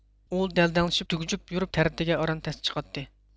ئۇ دەلدەڭشىپ دۈگجۈپ يۈرۈپ تەرىتىگە ئاران تەستە چىقاتتى